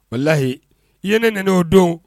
Walahi i ye ne nɛni o don.